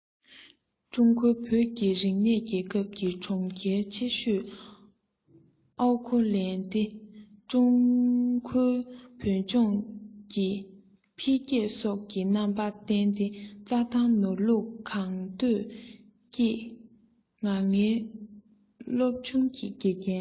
ཀྲུང གོའི བོད ཀྱི རིག གནས རྒྱལ ཁབ ཀྱི གྲོང ཁྱེར ཆེ ཤོས ཨའོ ཁོ ལན ཏི ཀྲུང གོའི བོད ལྗོངས ཀྱི འཕེལ རྒྱས སོགས ཀྱི རྣམ པ བསྟན ཏེ རྩ ཐང ནོར ལུག གང འདོད སྐྱིད ང ངའི སློབ ཆུང གི དགེ རྒན